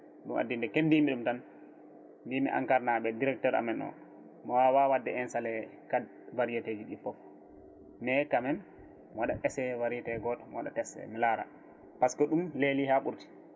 ɗum addi nde kebdimi ɗum tan mbimi ENCAR naaɓe directeur amen o mo wawa wadde installé quatre variété ji ɗi foof mais quand même mi waɗat essayé variété goto mi waɗa testé mi laara par ce que ɗum leeli ha ɓuurti